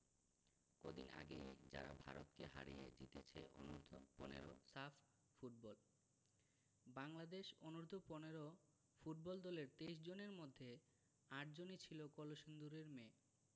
কদিন আগেই যারা ভারতকে হারিয়ে জিতেছে অনূর্ধ্ব ১৫ সাফ ফুটবল বাংলাদেশ অনূর্ধ্ব ১৫ ফুটবল দলের ২৩ জনের মধ্যে ৮ জনই ছিল কলসিন্দুরের মেয়ে